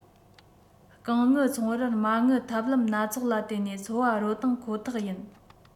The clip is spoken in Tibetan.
རྐང དངུལ ཚོང རར མ དངུལ ཐབས ལམ སྣ ཚོགས ལ བརྟེན ནས འཚོ བ རོལ སྟངས ཁོ ཐག ཡིན